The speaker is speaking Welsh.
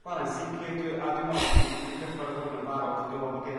Wel yn sicr dwi yrr dwi me'wl dwi 'di dwi 'di cyffordd a hwn yn barod on'd yw ond bo' gennyn